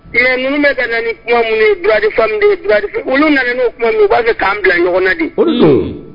Mɛ ninnu bɛ kuma minnu du fa olu nana kuma min u b'a fɛ k'an bila ɲɔgɔn na de